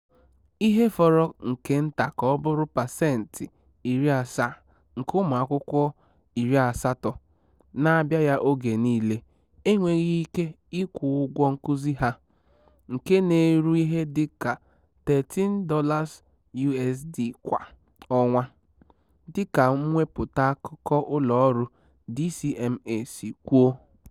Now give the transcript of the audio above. Ihe fọrọ nke nta ka ọ bụrụ 70% nke ụmụakwụkwọ 80 na-abịa ya oge niile enweghị ike ịkwụ ụgwọ nkuzi ha, nke na-eru ihe dị ka $13 USD kwa ọnwa, dịka mwepụta akụkọ ụlọọrụ DCMA si kwuo.